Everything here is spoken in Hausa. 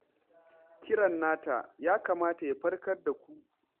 Kiran nata ya kamata ya farkar da ku!